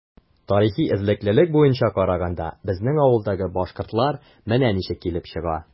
Тарихи эзлеклелек буенча караганда, безнең авылдагы “башкортлар” менә ничек килеп чыга.